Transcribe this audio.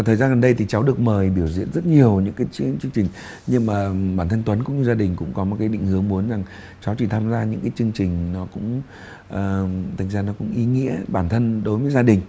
thời gian gần đây thì cháu được mời biểu diễn rất nhiều những cái chương trình nhưng mà bản thân tuấn cũng gia đình cũng có một cái định hướng muốn rằng cháu chỉ tham gia những chương trình nó cũng ờ thực ra là cùng ý nghĩa bản thân đối với gia đình